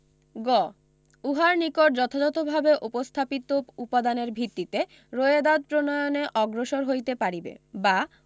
গ উহার নিকট যথাযথভাবে উপস্থাপিত উপাদানের ভিত্তিতে রোয়েদাদ প্রণয়নে অগ্রসর হইতে পারিবে বা